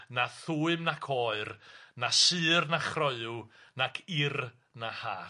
na thwym nac oer na sur na chroew, nac ir na ha.